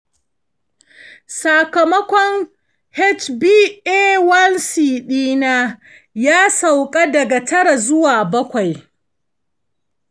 sakamakon hba1c ɗina ya sauka daga tara zuwa bakwai.